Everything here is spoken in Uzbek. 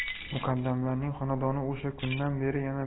muqaddamlarning xonadoni o'sha kundan beri